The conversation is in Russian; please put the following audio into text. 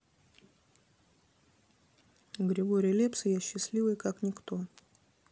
григорий лепс я счастливый как никто